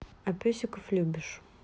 а песиков любишь